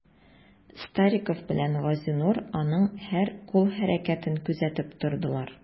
Стариков белән Газинур аның һәр кул хәрәкәтен күзәтеп тордылар.